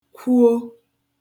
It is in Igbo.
kwuo